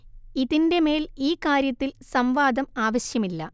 ഇതിന്റെ മേൽ ഈ കാര്യത്തിൽ സംവാദം ആവശ്യമില്ല